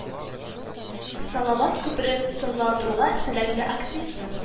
Салават күперен сынландыруга сәләтле актриса